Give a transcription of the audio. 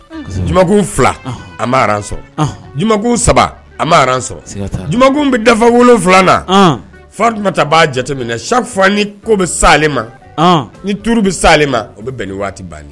Juma fila a maran sɔrɔ juma saba a maran sɔrɔ jumakun bɛ dafa wolo wolonwula fari tun bɛ taa b'a jateminɛ safa ni ko bɛ sa ma ni tuuru bɛ sa ma o bɛ bɛn waati ban